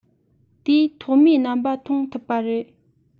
དེའི ཐོག མའི རྣམ པ མཐོང ཐུབ པ རེད